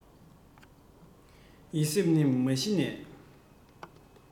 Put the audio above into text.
ཡིད སེམས ནི མ གཞི ནས